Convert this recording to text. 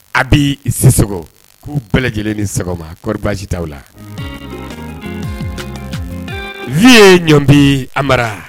A bɛ si k'u bɛɛ lajɛlen ni sɔgɔmaɔri baasijita la vi ɲɔn bi a mara